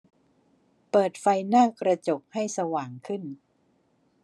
เปิดไฟหน้ากระจกให้สว่างขึ้น